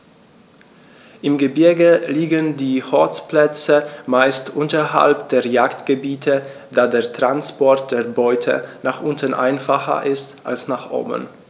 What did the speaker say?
Im Gebirge liegen die Horstplätze meist unterhalb der Jagdgebiete, da der Transport der Beute nach unten einfacher ist als nach oben.